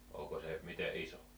oliko se miten iso